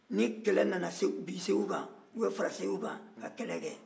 ni kɛlɛ nana bin segu kan u bɛ fara segu kan ka kɛlɛ kɛ